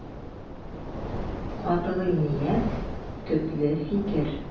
Катгый ният, төпле фикер.